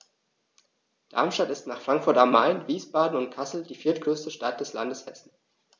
Darmstadt ist nach Frankfurt am Main, Wiesbaden und Kassel die viertgrößte Stadt des Landes Hessen